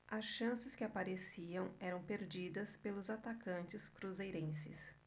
as chances que apareciam eram perdidas pelos atacantes cruzeirenses